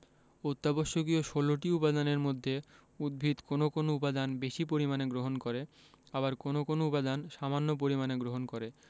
অত্যাবশ্যকীয় ১৬ টি উপাদানের মধ্যে উদ্ভিদ কোনো কোনো উপাদান বেশি পরিমাণে গ্রহণ করে আবার কোনো কোনো উপাদান সামান্য পরিমাণে গ্রহণ করে